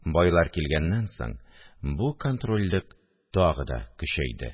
Байлар килгәннән соң, бу контрольлек тагы да көчәйде